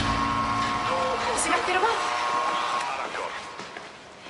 Nest ti methu rwbath? Drws ar agor.